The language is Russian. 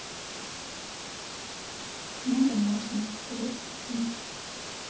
на домашнем турецкий фильм